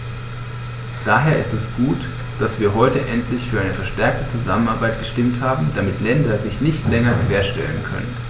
Daher ist es gut, dass wir heute endlich für eine verstärkte Zusammenarbeit gestimmt haben, damit gewisse Länder sich nicht länger querstellen können.